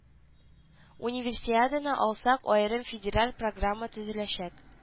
Универсиаданы алсак аерым федераль программа төзеләчәк